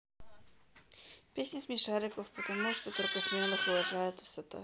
песня смешариков потому что только смелых уважает высота